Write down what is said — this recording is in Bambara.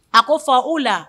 A ko fa u la